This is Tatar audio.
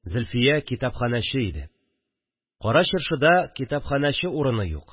Зөлфия китапхәнәче иде – Кара Чыршыда китапханәче урыны юк